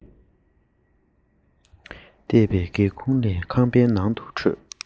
གཏད པའི སྒེའུ ཁུང ལས ཁང པའི ནང དུ འཕྲོས